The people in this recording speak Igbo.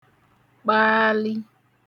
kpaalị